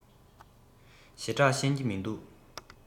ཞེ དྲགས ཤེས ཀྱི མི འདུག